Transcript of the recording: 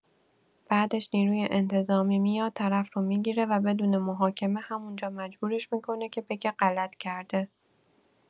بعدش نیروی انتظامی میاد طرف رو میگره و بدون محاکمه همونجا مجبورش می‌کنه که بگه غلط کرده!